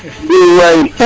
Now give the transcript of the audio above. Diouf waay